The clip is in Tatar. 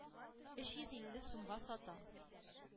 Өч йөз илле сумга сата.